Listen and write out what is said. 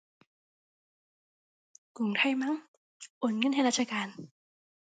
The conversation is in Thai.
กรุงไทยมั้ง โอนเงินให้ราชการ